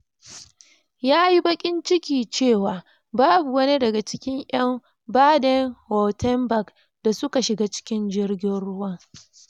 Ya yi baƙin ciki cewa babu wani daga cikin 'yan Baden-Wuerttemberg da suka shiga cikin jirgin ruwa.